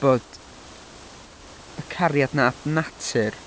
bod y cariad 'na at natur...